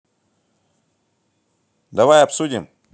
давай обсудим